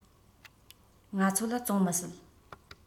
ང ཚོ ལ བཙོང མི སྲིད